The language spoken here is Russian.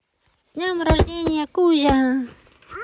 с днем рождения кузя